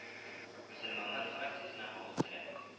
Мөселманнар фракциясенә кабул ителә